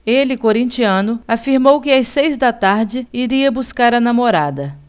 ele corintiano afirmou que às seis da tarde iria buscar a namorada